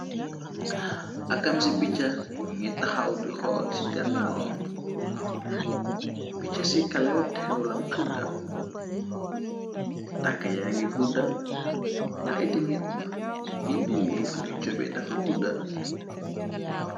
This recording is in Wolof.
Takam ci piccha ngi taxaw di xool ci ganaawam piccha ci kalaw xewlam tudda tanka yaa ngi guddha te aytimit gi mingi fumi cobe dafa gudda.